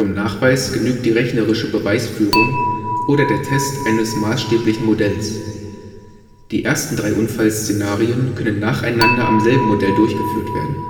Nachweis genügt die rechnerische Beweisführung oder der Test eines (maßstäblichen) Modells. Die ersten drei Unfallszenarien könnten nacheinander am selben Modell durchgeführt werden